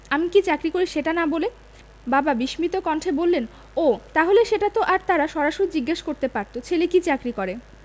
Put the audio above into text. আমি কী চাকরি করি সেটা না বলে বাবা বিস্মিত কণ্ঠে বলল ও তাহলে সেটা তো তারা সরাসরি জিজ্ঞেস করতে পারত ছেলে কী চাকরি করে